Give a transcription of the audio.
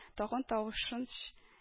Тагын тавышын ч